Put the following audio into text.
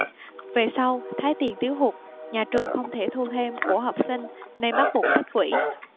về sau thấy tiền thiếu hụt nhà trường không thể thu thêm của học sinh nên bắt buộc trích quỹ